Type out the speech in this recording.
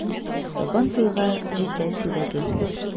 Сабан туйга җитә сирәге!